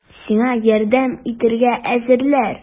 Сиңа ярдәм итәргә әзерләр!